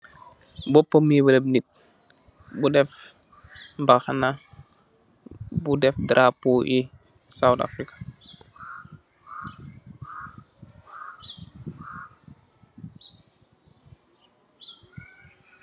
Bópam miibalap nit bu dèf mbàxna bu dèf darapóó yi south Africa.